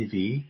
ddi